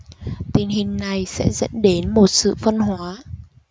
tình hình này sẽ dẫn đến một sự phân hóa